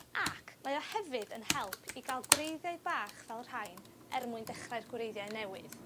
ac mae o hefyd yn help i ga'l gwreiddiau bach fel rhain er mwyn dechrau'r gwreiddiau newydd.